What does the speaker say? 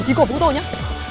chí cổ vũ tôi nhớ